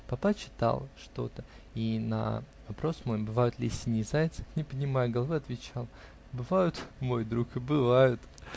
Папа читал что-то и на вопрос мой: "Бывают ли синие зайцы?", не поднимая головы, отвечал: "Бывают, мой друг, бывают".